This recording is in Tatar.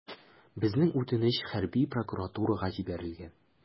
Безнең үтенеч хәрби прокуратурага җибәрелгән.